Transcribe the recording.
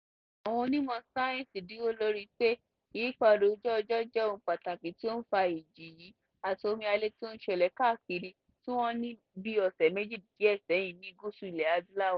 Àwọn onímọ̀ sáyẹ́ǹsì dúró lórí pé ìyípadà ojú ọjọ́ jẹ́ ohun pàtàkì tí ó ń fa ìjì yìí àti omíyalé tí ó ń ṣẹlẹ̀ káàkiri tí wọ́n ní bíi ọ̀sẹ̀ díẹ̀ sẹ́yìn ní gúúsù ilẹ̀ Adúláwò.